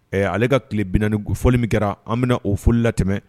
Ɛɛ ale ka tileb gfɔli min kɛra anmina na o foli latɛ